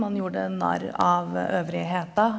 man gjorde narr av øvrigheta.